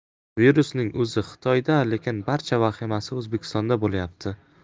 virusning o'zi xitoyda lekin barcha vahimasi o'zbekistonda bo'lyapti